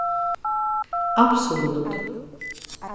absolutt